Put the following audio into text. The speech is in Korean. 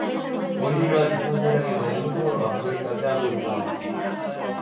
오히려 비판세력에 대해 행동으로 맞서기까지 하고 있다